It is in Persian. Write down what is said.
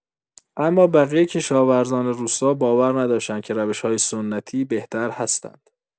اما بقیه کشاورزان روستا باور نداشتند که روش‌های سنتی بهتر هستند.